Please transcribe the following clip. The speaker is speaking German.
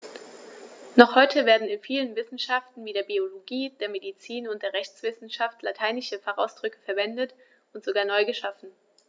Noch heute werden in vielen Wissenschaften wie der Biologie, der Medizin und der Rechtswissenschaft lateinische Fachausdrücke verwendet und sogar neu geschaffen.